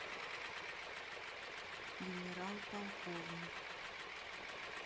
генерал полковник